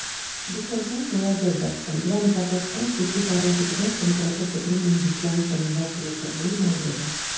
«Բիթլզենք» նորաձև դարձան, դրան ի պատասխան՝ քուչի «խառոշի» տղերքը մկրատով կտրում էին բիթլային սանրվածք ունեցողների մազերը։